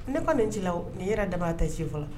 Ne kɔni ye ci la wo nin yɛrɛ dama tɛ si fɔlɔ